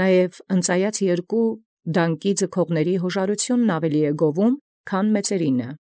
նաև զդանկաց երկուց ընծայելոցն գովէ զարկանելեացն զյաւժարութիւն առաւել քան զմեծացն։